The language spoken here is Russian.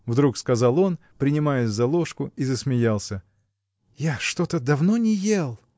— вдруг сказал он, принимаясь за ложку и засмеялся, — я что-то давно не ел.